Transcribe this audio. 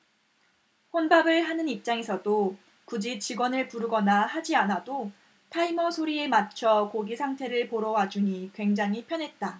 혼밥을 하는 입장에서도 굳이 직원을 부르거나 하지 않아도 타이머 소리에 맞춰 고기 상태를 보러 와주니 굉장히 편했다